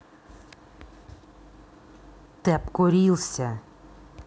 ты обкурился